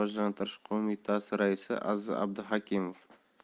rivojlantish qo'mitasi raisi aziz abduhakimov